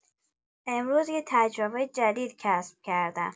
امروز یه تجربه جدید کسب کردم